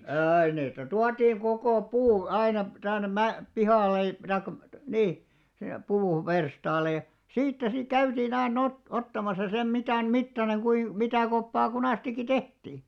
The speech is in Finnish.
aina niitä tuotiin koko puu aina tänne - pihalle - tai niin sinne puuverstaalle ja siitä sitten käytiin aina - ottamassa sen mitan mittainen kuinka mitä koppaa kunastikin tehtiin